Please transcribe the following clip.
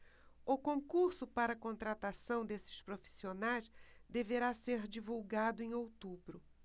o concurso para contratação desses profissionais deverá ser divulgado em outubro